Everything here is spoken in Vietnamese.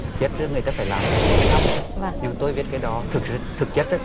chết rước người ta phải làm hằng mấy năm cơ nhưng mà tôi viết cái đó thực rất thực chất